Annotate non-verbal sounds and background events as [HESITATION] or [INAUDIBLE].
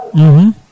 [HESITATION] [HESITATION]